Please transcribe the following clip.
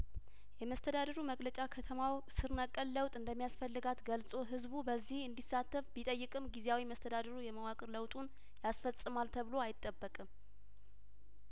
የመስተዳድሩ መግለጫ ከተማው ስር ነቀል ለውጥ እንደሚያስፈልጋት ገልጾ ህዝቡ በዚህ እንዲሳተፍ ቢጠይቅም ጊዜያዊ መስተዳድሩ የመዋቅር ለውጡን ያስፈጽማል ተብሎ አይጠበቅም